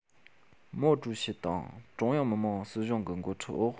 མའོ ཀྲུའུ ཞི དང ཀྲུང དབྱང མི དམངས སྲིད གཞུང གི མགོ ཁྲིད འོག